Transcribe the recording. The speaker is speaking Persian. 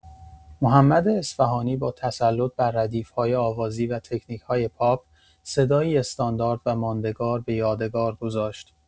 محمد اصفهانی با تسلط بر ردیف‌های آوازی و تکنیک‌های پاپ، صدایی استاندارد و ماندگار به یادگار گذاشت.